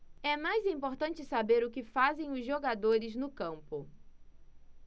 é mais importante saber o que fazem os jogadores no campo